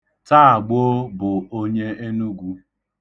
Tagbo bụ onye Enugwu.